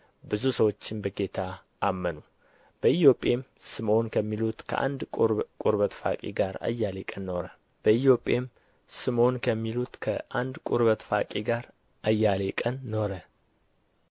ብዙ ሰዎችም በጌታ አመኑ በኢዮጴም ስምዖን ከሚሉት ከአንድ ቍርበት ፋቂ ጋር አያሌ ቀን ኖረ